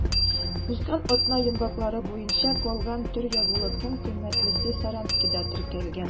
Узган атна йомгаклары буенча калган төр ягулыкның кыйммәтлесе Саранскида теркәлгән.